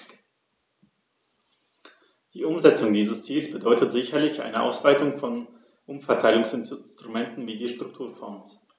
Die Umsetzung dieses Ziels bedeutet sicherlich eine Ausweitung von Umverteilungsinstrumenten wie die Strukturfonds.